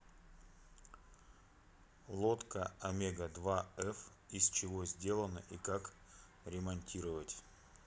лодка омега два ф из чего сделано и как ремонтировать